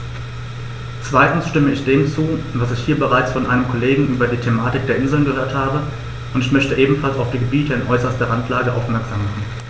Zweitens stimme ich dem zu, was ich hier bereits von einem Kollegen über die Thematik der Inseln gehört habe, und ich möchte ebenfalls auf die Gebiete in äußerster Randlage aufmerksam machen.